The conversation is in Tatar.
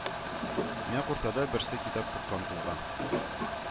Нәкъ уртада берсе китап тоткан кулга